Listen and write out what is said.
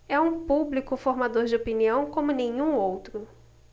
é um público formador de opinião como nenhum outro